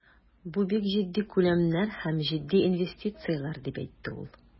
Бу бик җитди күләмнәр һәм җитди инвестицияләр, дип әйтте ул.